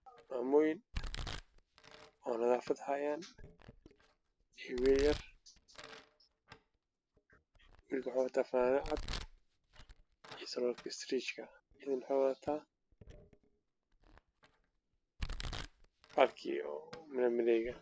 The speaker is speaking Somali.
Waa qeybta nadaafadda waxay wadaan jawaan